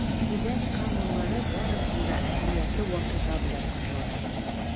Түбән Кама мэры барысын да әһәмиятле вакыйга белән котлады.